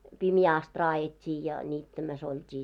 pimeään asti raadettiin ja niittämässä oltiin